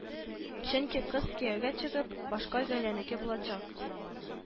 Чөнки кыз кияүгә чыгып, башка гаиләнеке булачак